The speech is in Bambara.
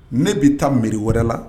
Ne bɛ taa mɛri wɛrɛ la